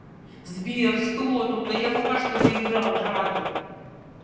сбер что тут а я пока чтобы играл драки